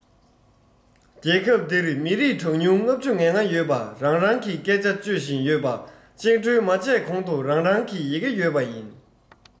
རྒྱལ ཁབ འདིར མི རིགས གྲངས ཉུང ༥༥ ཡོད པ རང རང གི སྐད ཆ སྤྱོད བཞིན ཡོད པ བཅིངས འགྲོལ མ བྱས གོང དུ རང རང གི ཡི གེ ཡོད པ ཡིན